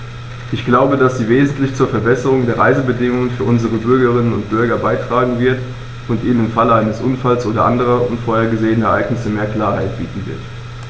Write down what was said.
Ich glaube, dass sie wesentlich zur Verbesserung der Reisebedingungen für unsere Bürgerinnen und Bürger beitragen wird, und ihnen im Falle eines Unfalls oder anderer unvorhergesehener Ereignisse mehr rechtliche Klarheit bieten wird.